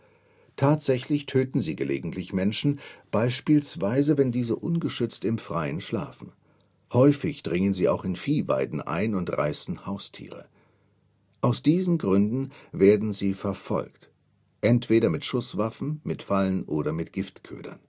Tatsächlich töten sie gelegentlich Menschen, beispielsweise wenn diese ungeschützt im Freien schlafen. Häufig dringen sie auch in Viehweiden ein und reißen Haustiere. Aus diesen Gründen werden sie verfolgt, entweder mit Schusswaffen, mit Fallen oder mit Giftködern